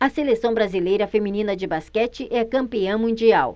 a seleção brasileira feminina de basquete é campeã mundial